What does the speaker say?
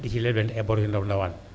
di ci leblante ay bor yu ndaw ndawaan